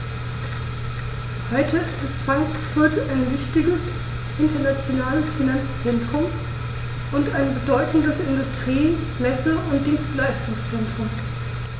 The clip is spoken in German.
Heute ist Frankfurt ein wichtiges, internationales Finanzzentrum und ein bedeutendes Industrie-, Messe- und Dienstleistungszentrum.